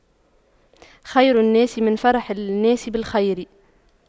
خير الناس من فرح للناس بالخير